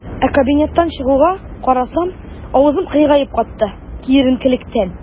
Ә кабинеттан чыгуга, карасам - авызым кыегаеп катты, киеренкелектән.